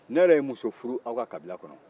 ne yɛrɛ ye muso furu aw ka kabila kɔnɔ